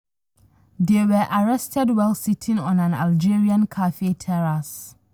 They were arrested while sitting on an Algerian cafe terrace.